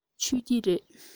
མཆོད ཀྱི རེད